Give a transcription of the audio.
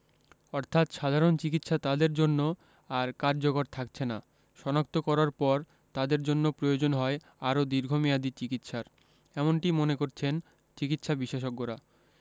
অর্থাৎ সাধারণ চিকিৎসা তাদের জন্য আর কার্যকর থাকছেনা শনাক্ত করার পর তাদের জন্য প্রয়োজন হয় আরও দীর্ঘমেয়াদি চিকিৎসার এমনটিই মনে করছেন চিকিৎসাবিশেষজ্ঞরা